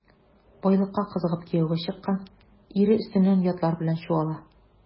Байлыкка кызыгып кияүгә чыккан, ире өстеннән ятлар белән чуала.